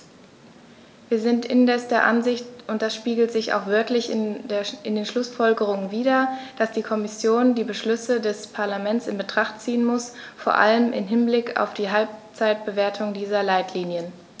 Wir sind indes der Ansicht und das spiegelt sich auch wörtlich in den Schlussfolgerungen wider, dass die Kommission die Beschlüsse dieses Parlaments in Betracht ziehen muss, vor allem im Hinblick auf die Halbzeitbewertung dieser Leitlinien.